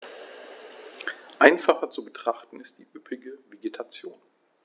Einfacher zu betrachten ist die üppige Vegetation.